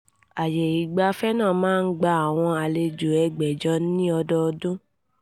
Ààyè ìgbafẹ́ náà máa ń gba àwọn àlejò 16,000 ní ọdọọdún.